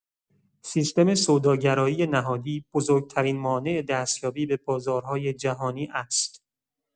سیستم سوداگرایی نهادی بزرگ‌ترین مانع دستیابی به بازارهای جهانی است.